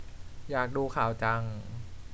อยากดูข่าวจัง